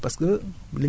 suñu ginnaaw kër yi